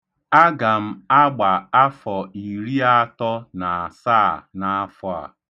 Aga m agba afọ iri atọ na asaa n'afọ a.